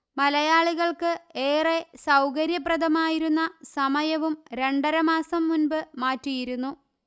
മലയാളികൾക്ക് ഏറെ സൌകര്യപ്രദമായിരുന്ന സമയവും രണ്ടരമാസം മുൻപ് മാറ്റിയിരുന്നു